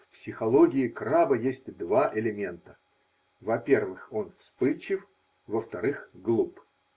В психологии краба есть два элемента: во-первых, он вспыльчив, во-вторых, глуп.